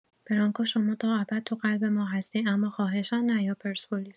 برانکو شما تا ابد تو قلب ما هستی اما خواهشا نیا پرسپولیس